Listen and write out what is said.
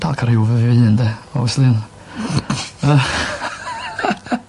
Dal ca'l ryw efo fy hun 'de? Obviously.